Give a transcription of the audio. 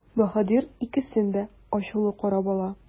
Баһадир икесенә дә ачулы карап ала.